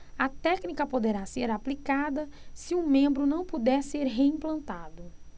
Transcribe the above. a técnica poderá ser aplicada se o membro não puder ser reimplantado